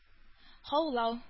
Һаулау